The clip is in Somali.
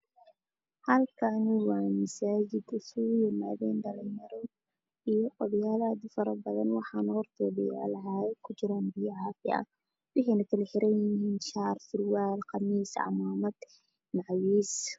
Halkan waa masaajid dhulku waa qaxooy guduud waxaa taagan niman qamiisa wata cimaamado wata